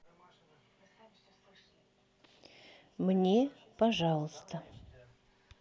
мне пожалуйста